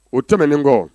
O tɛmɛnen kɔ